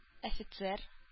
Офицер